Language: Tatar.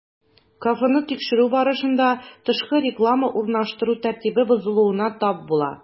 Кафены тикшерү барышында, тышкы реклама урнаштыру тәртибе бозылуына тап була.